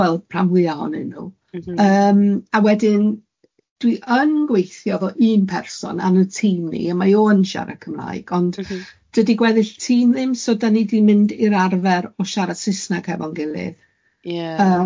Wel, rhan fwyaf ohonyn nhw... M-hm. ...yym a wedyn dwi yn gweithio efo un person yn y tîm ni, a mae o yn siarad Cymraeg, ond... M-hm. ...dydi gweddill tîm ddim, so dan ni di mynd i'r arfer o siarad Saesneg efo'n gilydd. Ie.